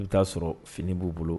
I bɛ t'a sɔrɔ fini b'u bolo